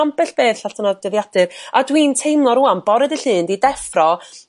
ambell beth allan o'r dyddiadur a dwi'n teimlo rŵan bore dydd Llun 'di deffro